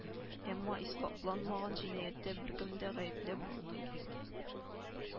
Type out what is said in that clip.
Әмма исбатланмаган җинаятьтә беркемне дә гаепләп булмый